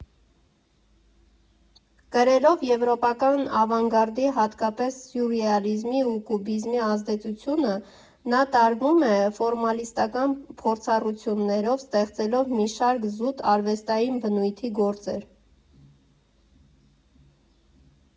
Կրելով եվրոպական ավանգարդի, հատկապես սյուրռեալիզմի ու կուբիզմի ազդեցությունը, նա տարվում է ֆորմալիստական փորձարկումներով, ստեղծելով մի շարք զուտ արվեստային բնույթի գործեր։